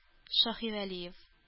Шаһивәлиев